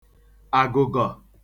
àgụ̀gọ̀